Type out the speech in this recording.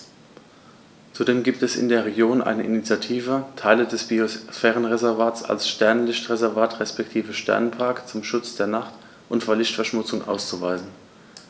Zudem gibt es in der Region eine Initiative, Teile des Biosphärenreservats als Sternenlicht-Reservat respektive Sternenpark zum Schutz der Nacht und vor Lichtverschmutzung auszuweisen.